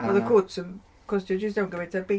Odd y cwt yn costio jyst iawn gymaint â'r beic.